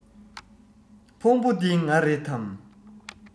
ཕུང བོ འདི ང རེད དམ